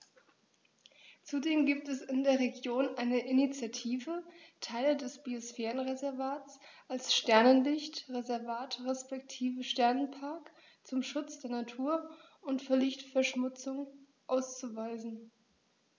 Zudem gibt es in der Region eine Initiative, Teile des Biosphärenreservats als Sternenlicht-Reservat respektive Sternenpark zum Schutz der Nacht und vor Lichtverschmutzung auszuweisen.